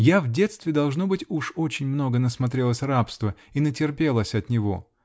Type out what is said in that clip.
Я в детстве, должно быть, уж очень много насмотрелась рабства и натерпелась от него.